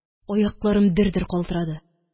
Аякларым дер-дер калтырады.